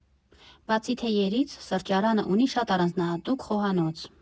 Բացի թեյերից, սրճարանը ունի շատ առանձնահատուկ խոհանոց։